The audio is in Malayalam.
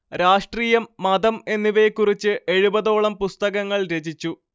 രാഷ്ട്രീയം മതം എന്നിവയെക്കുറിച്ച് എഴുപതോളം പുസ്തകങ്ങൾ രചിച്ചു